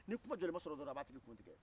ni kuma jɔlen ma sɔrɔ dɔrɔn a b'a tigi kuntigɛ